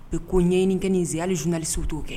Bɛ ko ɲɛɲiniini kɛ nin n zali zkali so t'o kɛ